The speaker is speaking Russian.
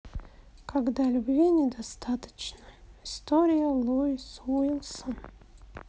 когда любви недостаточно история лоис уилсон